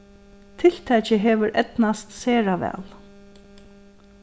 tiltakið hevur eydnast sera væl